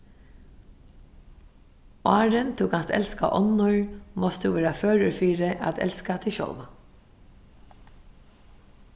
áðrenn tú kanst elska onnur mást tú vera førur fyri at elska teg sjálvan